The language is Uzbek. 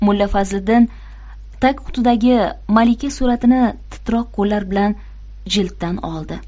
mulla fazliddin tagqutidagi malika suratini titroq qo'llar bilan jilddan oldi